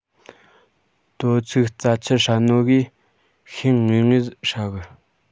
དོ ཚིགས རྩྭ ཆུ ཧྲ ནོ གིས ཤེད ངེས ངེས ཧྲ གི